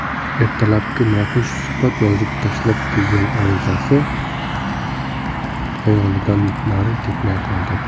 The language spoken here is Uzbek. ertalabki noxush suhbat yozib tashlab kelgan arizasi xayolidan nari ketmay qoldi